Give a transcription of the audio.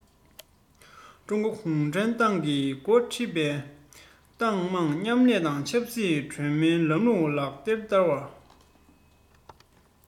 ཀྲུང གོ གུང ཁྲན ཏང གིས འགོ ཁྲིད པའི ཏང མང མཉམ ལས དང ཆབ སྲིད གྲོས མོལ ལམ ལུགས ལག ལེན བསྟར བ